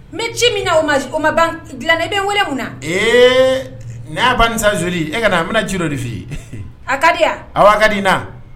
N bɛ ci min na o ma ban dilan na , i bɛ wele munna? ee na ya bani sa joli e ka na, n bɛna ci dɔ de f'inye; A kadi a, A ka di na.